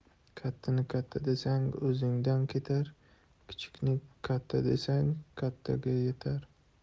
kattani katta desang o'zidan ketar kichikni katta desang kattaga yetar